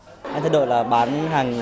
nay thay đổi là bán hàng